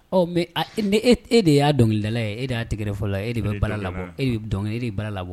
Mɛ e de y'a dɔnkilila ye e de'a tigɛɛrɛ fɔlɔ la e de bɛ bala labɔ e e ba labɔ